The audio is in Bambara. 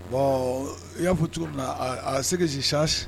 Bɔn _i y'a fɔ cogo min na a ce que je sache